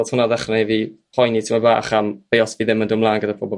o'dd hwnna ddechra' 'neud fi boeni tymed bach am be os fi ddim yn dod 'mlaen gyda pobol